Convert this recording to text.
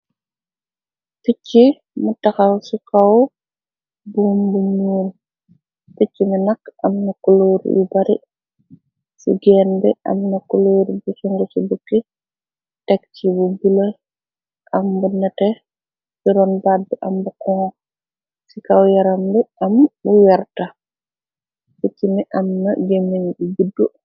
Picci mu taxal ci kaw boom bu miul, picc mi nakk am na kuluur yu bari, ci genn bi am na kuluur bu sung ci bukki, tek ci bu bulë, am mbunate juroon bàddi, ambu xon ci kaw yaram bi, am bu werta, ficc ni am na jemin bi budd.